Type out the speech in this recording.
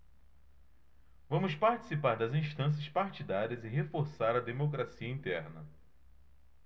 vamos participar das instâncias partidárias e reforçar a democracia interna